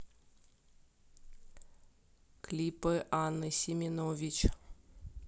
клипы анны семенович